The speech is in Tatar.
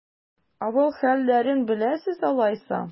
Авыл хәлләрен беләсез алайса?